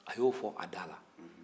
a y'o fɔ a da la